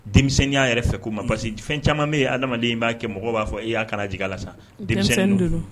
Denmisɛnninya yɛrɛ fɛ ko ma parce que fɛn caaman bɛ yen, adamaden i b'a kɛ mɔgɔw b'a fɔ: ee a kana jigi a la sa, denmisɛɛnnin de don.